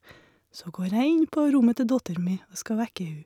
Så går jeg inn på rommet til datter mi og skal vekke hun.